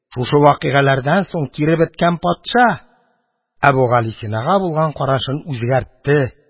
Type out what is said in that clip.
Шушы вакыйгалардан соң киребеткән патша Әбүгалисинага булган карашын үзгәртте.